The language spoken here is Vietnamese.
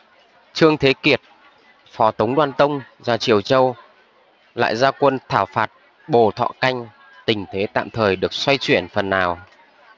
trương thế kiệt phò tống đoan tông ra triều châu lại ra quân thảo phạt bồ thọ canh tình thế tạm thời được xoay chuyển phần nào